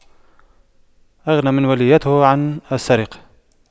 أغن من وليته عن السرقة